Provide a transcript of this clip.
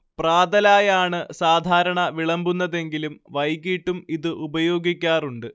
പ്രാതലായാണ് സാധാരണ വിളമ്പുന്നതെങ്കിലും വൈകീട്ടും ഇത് ഉപയോഗിക്കാറുണ്ട്